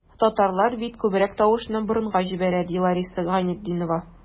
Татарлар бит күбрәк тавышны борынга җибәрә, ди Лариса Гайнетдинова.